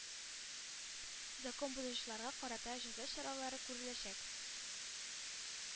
Закон бозучыларга карата җәза чаралары күреләчәк.